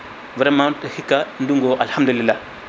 vraiment hikka ndungu o Alahamdullilah